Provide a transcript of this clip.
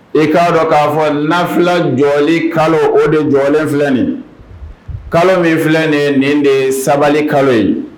I k'a dɔn k'a fɔ naula jɔli kalo o de jɔlen filɛ nin kalo min filɛ nin nin de sabali kalo ye